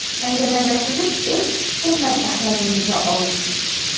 Әңгәмәдәшебез эш, хезмәт әхлагын боза алмый.